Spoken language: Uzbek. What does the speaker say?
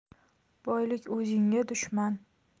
boylik o'zingga dushman